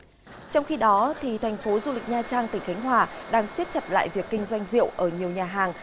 trong khi đó thì thành phố du lịch nha trang tỉnh khánh hòa đang siết chặt lại việc kinh doanh rượu ở nhiều nhà hàng